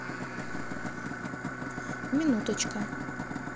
минуточка